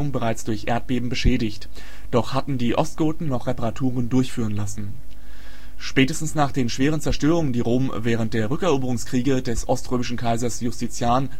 bereits durch Erdbeben beschädigt, doch hatten die Ostgoten noch Reparaturen durchführen lassen. Spätestens nach den schweren Zerstörungen, die Rom während der Rückeroberungskriege des oströmischen Kaisers Justinian